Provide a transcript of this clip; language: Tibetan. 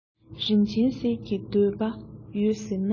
རིན ཆེན གསེར གྱི འདོད པ ཡོད ཟེར ན